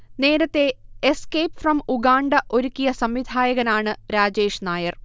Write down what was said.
നേരത്തെ 'escape from Uganda' ഒരുക്കിയ സംവിധായകനാണ് രാജേഷ്നായർ